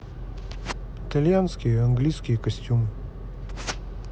итальянские английские костюмы